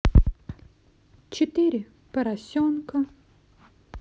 четыре поросенка